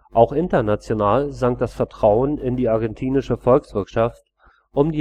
Auch international sank das Vertrauen in die argentinische Volkswirtschaft um